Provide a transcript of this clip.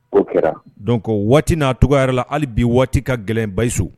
Don waati n'a tɔgɔ yɛrɛ la hali bi waati ka gɛlɛn basiso